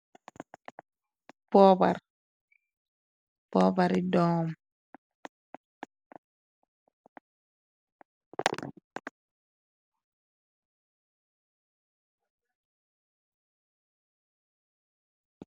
Pobar pobari doom.